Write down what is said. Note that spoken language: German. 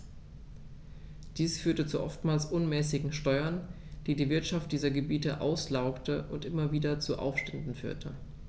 Dies führte zu oftmals unmäßigen Steuern, die die Wirtschaft dieser Gebiete auslaugte und immer wieder zu Aufständen führte.